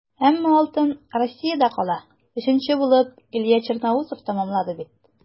Әмма алтын Россиядә кала - өченче булып Илья Черноусов тәмамлады бит.